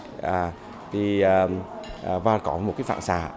à thì à và có một cái phản xạ